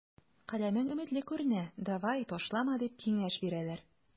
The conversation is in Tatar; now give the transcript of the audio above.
Каләмең өметле күренә, давай, ташлама, дип киңәш бирәләр.